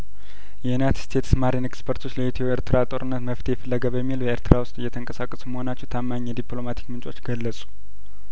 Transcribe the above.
የዩናይትድ ስቴትስ ማሪን ኤክስፐርቶች ለኢትዮ ኤርትራ ጦርነት መፍትሄ ፍለጋ በሚል ኤርትራ ውስጥ እየተንቀሳቀሱ መሆናቸው ታማኝ የዲፕሎማቲክ ምንጮች ገለጹ